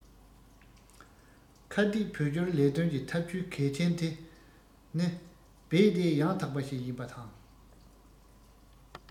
ཁ གཏད བོད སྐྱོར ལས དོན གྱི ཐབས ཇུས གལ ཆེན དེ ནི རྦད དེ ཡང དག པ ཞིག ཡིན པ དང